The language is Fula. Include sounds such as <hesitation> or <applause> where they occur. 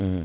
<hesitation> <hesitation>